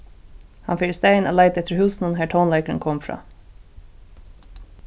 hann fer í staðin at leita eftir húsunum har tónleikurin kom frá